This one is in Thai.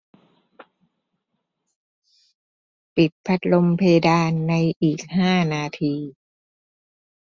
ปิดพัดลมเพดานในอีกห้านาที